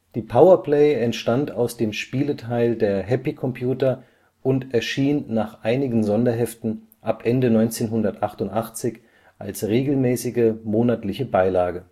Die Power Play entstand aus dem Spieleteil der Happy Computer und erschien nach einigen Sonderheften ab Ende 1988 als regelmäßige monatliche Beilage